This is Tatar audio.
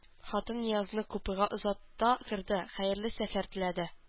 Хатын Ниязны купега озата керде, хәерле сәфәр теләде